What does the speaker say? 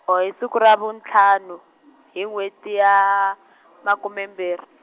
oh- hiseko ra vuntlhanu, hi n'weti ya, makume mbirhi.